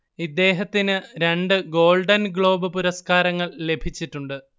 ഇദ്ദേഹത്തിന് രണ്ട് Golden Globe പുരസകാരങ്ങൾ ലഭിച്ചിട്ടുണ്ട്